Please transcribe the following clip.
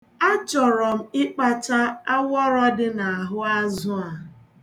A chọrọ m ịkpacha awọrọ dị n'ahụ azụ a.